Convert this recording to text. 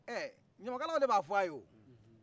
ɛ ɲamakalaw de b' a f'aye